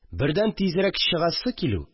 Бердән, тизрәк чыгасы килү